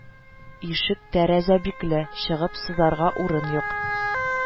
Ишек-тәрәзә бикле, чыгып сызарга урын юк